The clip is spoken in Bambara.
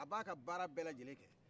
a b'a ka baafa bɛɛ lajɛlen kɛ